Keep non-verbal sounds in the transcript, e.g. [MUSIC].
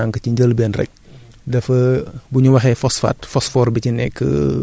[HESITATION] [HESITATION] [BREATH] waaw xam nga [HESITATION] phosphate moom comme ni ma ko waxee woon sànq ci njëlbéen rekk